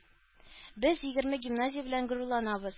Без егерме гимназия белән горурланабыз